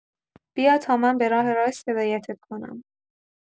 بیا تا من به راه راست هدایتت کنم.